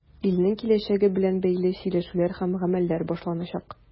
Илнең киләчәге белән бәйле сөйләшүләр һәм гамәлләр башланачак.